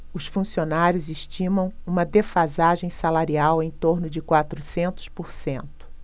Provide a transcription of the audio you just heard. os funcionários estimam uma defasagem salarial em torno de quatrocentos por cento